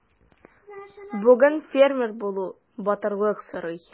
Бүген фермер булу батырлык сорый.